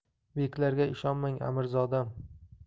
beklarga ishonmang amirzodam